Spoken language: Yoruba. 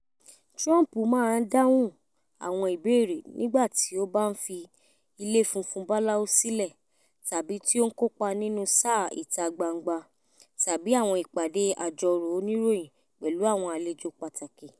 Trump máa ń dáhùn àwọn ìbéèrè nígbàtí ó bá ń fi Ilé Funfun Báláú sílẹ̀ tàbí tí ó ń kópa nínú ṣàá ìta gbangba tàbí àwọn ìpàdé àjọrò oníròyìn pẹ̀lú àwọn àlejò pàtàkì.